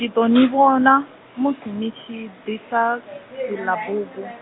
ndi ḓo ni vhona, musi ni tshi ḓisa, dzila bugu.